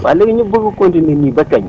waaw léegi ñu bëgg continué nii ba kañ